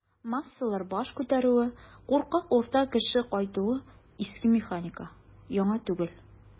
"массалар баш күтәрүе", куркак "урта кеше" кайтуы - иске механика, яңа түгел.